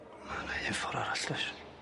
Ma 'na un ffor arall does?